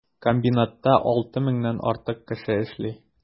Комбинатта 6 меңнән артык кеше эшли.